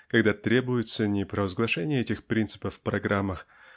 когда требуется не провозглашение этих принципов в программах